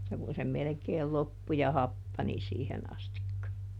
että kun se melkein loppui ja happani siihen asti